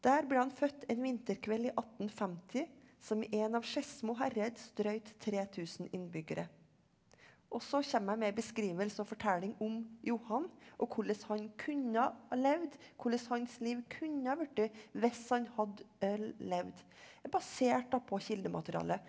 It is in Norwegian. der ble han født en vinterkveld i 1850 som en av Skedsmo herreds drøyt 3000 innbyggere og så kommer jeg med beskrivelse og fortelling om Johan og hvordan han kunne ha levd, hvordan hans liv kunne ha blitt hvis han hadde levd basert da på kildemateriale.